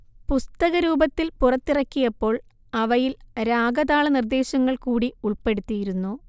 പുസ്തകരൂപത്തിൽ പുറത്തിറക്കിയപ്പോൾ അവയിൽ രാഗതാള നിർദ്ദേശങ്ങൾ കൂടി ഉൾപ്പെടുത്തിയിരുന്നു